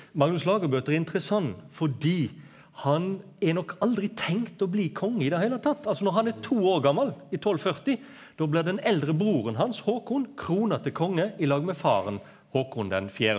Magnus Lagabøte er interessant fordi han er nok aldri tenkt å bli konge i det heile tatt, altså når han er to år gammal i 1240 då blir den eldre broren hans Håkon krona til konge i lag med faren Håkon den fjerde.